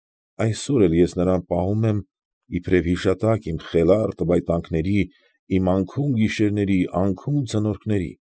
Այսօր էլ ես նրան պահում եմ, իբրև հիշատակ իմ խելառ տվայտանքների, իմ անքուն գիշերների, անհուն արցունքների։